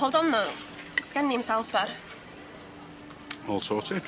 Hold on though, sgen ni'm cell sbar. All sorted.